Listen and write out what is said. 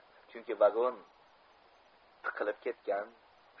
chunki vagon tiqilib ketgan